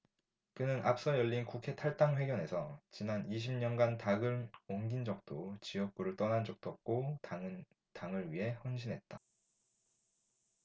그는 앞서 열린 국회 탈당 회견에서 지난 이십 년간 당을 옮긴 적도 지역구를 떠난 적도 없고 당을 위해 헌신했다